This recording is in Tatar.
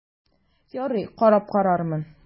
Ярый, карап карармын...